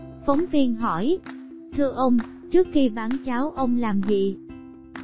phóng viên thưa ông trước khi bán cháo ông làm gì